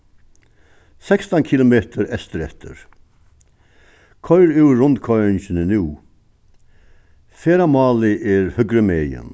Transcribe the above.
sekstan kilometur eystureftir koyr úr rundkoyringini nú ferðamálið er høgrumegin